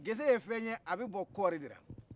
gese ye fɛn y' abɛ bɔ kɔri de la